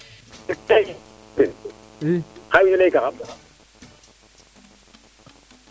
xa wiin we ley kaxam